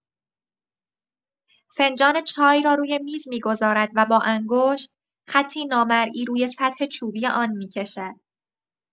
فنجان چای را روی میز می‌گذارد و با انگشت، خطی نامرئی روی سطح چوبی آن می‌کشد.